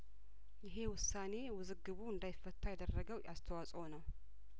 ይሄ ውሳኔ ውዝግቡ እንዳይፈታ ያደረገው አስተዋጽኦ ነው